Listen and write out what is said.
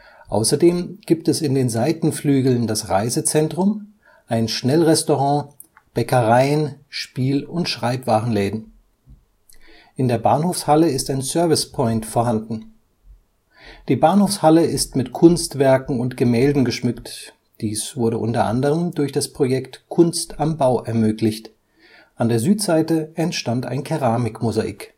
Außerdem gibt es in den Seitenflügeln das Reisezentrum, ein Schnellrestaurant, Bäckereien, Spiel - und Schreibwarenläden. In der Bahnhofshalle ist ein Service-Point vorhanden. Die Bahnhofshalle ist mit Kunstwerken und Gemälden geschmückt, dies wurde unter anderem durch das Projekt Kunst am Bau ermöglicht, an der Südseite entstand ein Keramikmosaik